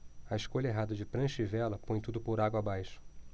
a escolha errada de prancha e vela põe tudo por água abaixo